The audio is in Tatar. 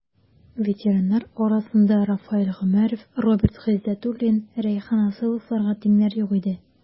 Ветераннар арасында Рафаэль Гомәров, Роберт Гыйздәтуллин, Рәйхан Асыловларга тиңнәр юк иде.